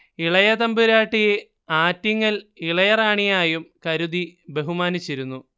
ഇളയ തമ്പുരാട്ടിയെ ആറ്റിങ്ങൽ ഇളയ റാണിയായും കരുതി ബഹുമാനിച്ചിരുന്നു